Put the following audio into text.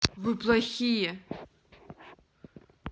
вы плохие